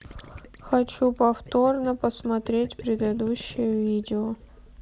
хочу повторно посмотреть предыдущее видео